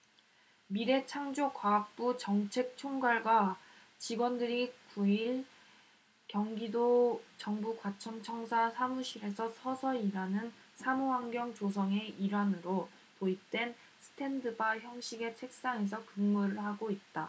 미래창조과학부 정책총괄과 직원들이 구 일 경기도 정부과천청사 사무실에서 서서 일하는 사무환경 조성의 일환으로 도입된 스탠드바 형식의 책상에서 근무를 하고 있다